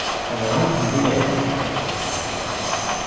tað var hann sum byrjaði alt hetta